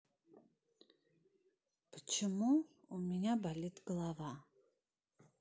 почему у меня болит голова